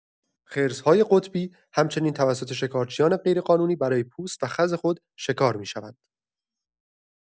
خرس‌های قطبی همچنین توسط شکارچیان غیرقانونی برای پوست و خز خود شکار می‌شوند.